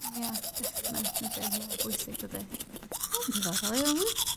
Ia definat yndi mor bwysig dydi? O yn diddorol iawn.